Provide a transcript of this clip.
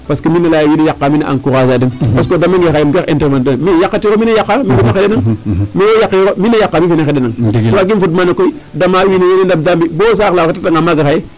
Parce que mi' naa layaa mina yaqaa mina encourager a den parce que o damange xaye um gar intervenir yaqatiro mi' na yaqaa mi' na yaqa mi' fe na xandana waagiim o fod maana koy dama wiin we wiin we ndabdaa boo saax la o retatanga maaga xaye .